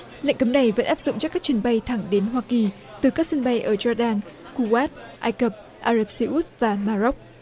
lệnh cấm này vẫn áp dụng cho các chuyến bay thẳng đến hoa kỳ từ các sân bay ở dóc đan cu oát ai cập ả rập xê út và ma rốc